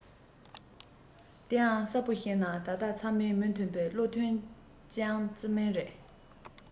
དེའང གསལ པོ བཤད ན ད ལྟ ཚང མས མོས མཐུན བྱས པའི བློ ཐུན ཅང ཙེ མིང རེད